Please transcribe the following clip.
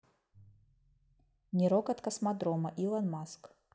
не рокот космодрома илон маск